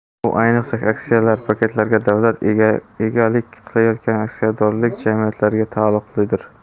bu ayniqsa aksiyalar paketlariga davlat egalik qilayotgan aksiyadorlik jamiyatlariga taalluqlidir